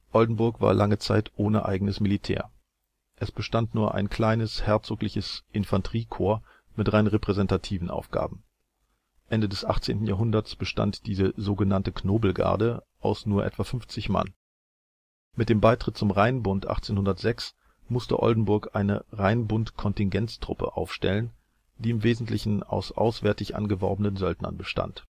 Oldenburg war lange Zeit ohne eigenes Militär. Es bestand nur ein kleines herzogliches " Infanterie-Korps " mit rein repräsentativen Aufgaben. Ende des 18. Jahrhunderts bestand diese sogenannte Knobelgarde aus nur etwa 50 Mann. Mit dem Beitritt zum Rheinbund musste Oldenburg eine „ Rheinbund-Kontingentstruppe “aufstellen, die im Wesentlichen aus auswärtig angeworbenen Söldnern bestand